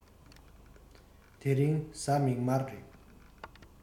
དེ རིང གཟའ མིག དམར རེད